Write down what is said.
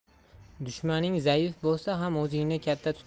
dushmaning zaif bo'lsa ham o'zingni katta